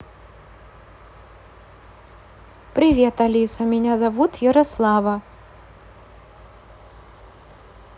привет алиса меня зовут ярослава